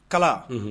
Kala